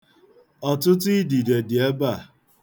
Ọtụtụ idide dị ebe a.